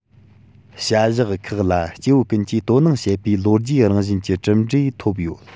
བྱ གཞག ཁག ལ སྐྱེ བོ ཀུན གྱིས དོ སྣང བྱེད པའི ལོ རྒྱུས རང བཞིན གྱི གྲུབ འབྲས ཐོབ ཡོད